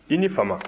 i ni fama